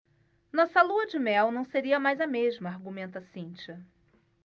nossa lua-de-mel não seria mais a mesma argumenta cíntia